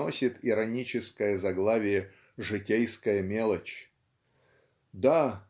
носит ироническое заглавие "Житейская мелочь". Да